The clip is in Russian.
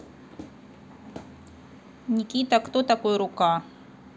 nikita кто такой рука